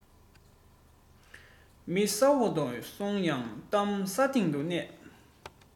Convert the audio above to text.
མི ས འོག དུ སོང ཡང གཏམ ས སྟེང དུ གནས